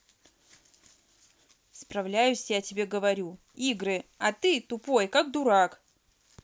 справляюсь я тебе говорю игры а ты тупой как дурак